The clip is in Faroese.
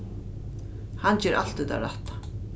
hann ger altíð tað rætta